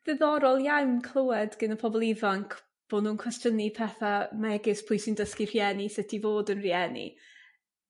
Diddorol iawn clywed gin y pobl ifanc bo' nhw'n cwestiynu pethe megis pwy sy'n dysgu rhieni sut i fod yn rieni.